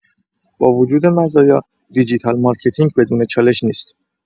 با وجود مزایا، دیجیتال مارکتینگ بدون چالش نیست.